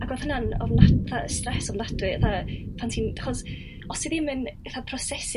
ac o'dd hyna'n ofna... 'atha' stress ofnadwy 'atha' pan ti'n achos os ti ddim yn 'atha' prosesu